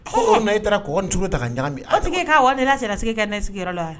Eheee ko kun minna e taara kɔkɔ ni sukoro ta ka ɲagami o tigi ye ka wa ne la cɛlasigi kɛ nɛ sigiyɔrɔ la wa